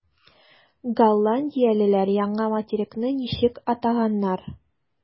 Голландиялеләр яңа материкны ничек атаганнар?